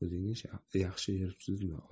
o'zingiz yaxshi yuribsizmi